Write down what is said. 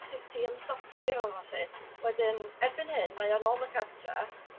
sut i ymdopio felly, wedyn erbyn hyn mae o nôl yn y cartra